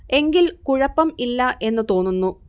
എങ്കിൽ കുഴപ്പം ഇല്ല എന്നു തോന്നുന്നു